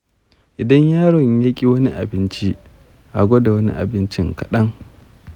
idan yaron ya ƙi wani abinci, a gwada wani abincin kaɗan.